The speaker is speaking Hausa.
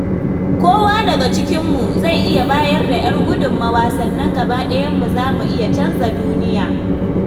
Kowa daga cikinmu zai iya bayar da 'yar gudunmawa sannan gaba ɗayanmu za mu iya canja duniya.